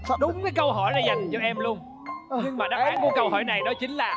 đúng với câu hỏi này dành cho em luôn nhưng mà đáp án của câu hỏi này nó chính là